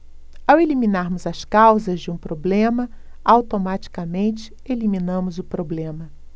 ao eliminarmos as causas de um problema automaticamente eliminamos o problema